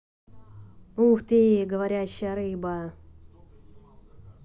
ух ты говорящая рыба